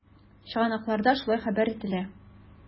Чыганакларда шулай хәбәр ителә.